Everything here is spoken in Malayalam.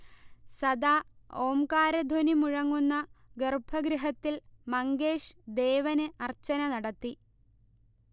സദാ ഓംകാരധ്വനി മുഴങ്ങുന്ന ഗർഭഗൃഹത്തിൽ മങ്കേഷ് ദേവന് അർച്ചന നടത്തി